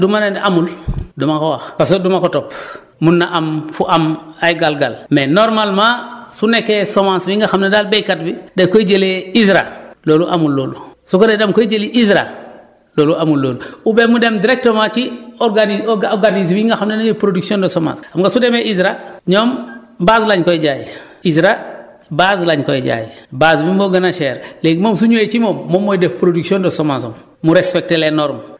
ah en tout cas daal du ma ne de amul du ma ko wax parce que du ma ko topp mën na am fu am ay gal-gal mais normalement su nekkee semence bi nga xam ne daal béykat bi da koy jëlee ISRA loolu amul loolu su fekkee da nga koy jëli ISRA loolu amul loolu oubien mu dem directement ci oragani organismes yi nga ne ñoo yor production des semences xam nga su demee ISRA ñoom base la ñu koy jaay ISRA base la ñu koy jaay base bi moo gën a cher léegi moom su ñëwee ci moom moom mooy def production de semence am